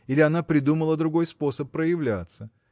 или она придумала другой способ проявляться